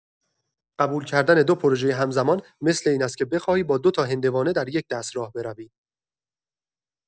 قبول‌کردن دو پروژه همزمان مثل این است که بخواهی با دو تا هندوانه در یک دست راه بروی.